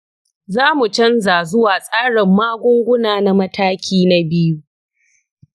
za mu canza zuwa tsarin magunguna na mataki na biyu.